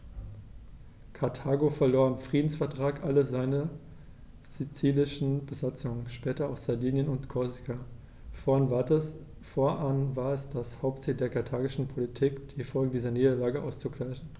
Karthago verlor im Friedensvertrag alle seine sizilischen Besitzungen (später auch Sardinien und Korsika); fortan war es das Hauptziel der karthagischen Politik, die Folgen dieser Niederlage auszugleichen.